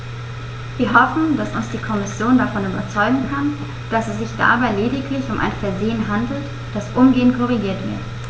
Wir hoffen, dass uns die Kommission davon überzeugen kann, dass es sich dabei lediglich um ein Versehen handelt, das umgehend korrigiert wird.